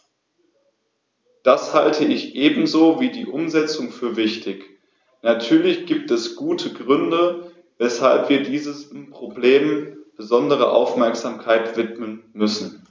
Das halte ich ebenso wie die Umsetzung für wichtig. Natürlich gibt es gute Gründe, weshalb wir diesem Problem besondere Aufmerksamkeit widmen müssen.